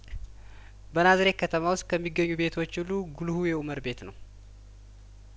በናዝሬት ከተማ ውስጥ ከሚገኙ ቤቶች ሁሉ ጉልሁ የኡመር ቤት ነው